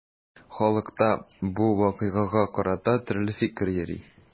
Халыкта бу вакыйгага карата төрле фикер йөри.